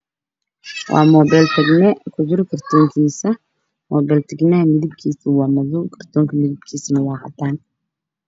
Waa mobele tigno ah oo kujiro kartonkis mobelka waa madow kartonkanah waa cadan